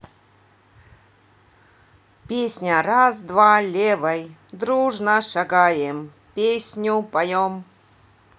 песня раз два левой дружно шагаем песню поем